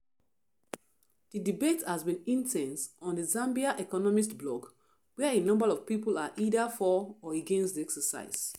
The debate has been intense on the Zambia Economist blog where a number of people are either for or against the exercise.